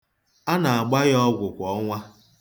A na-agba ya ọgwụ kwa ọnwa.